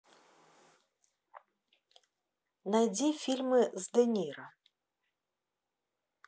найди фильмы с дениро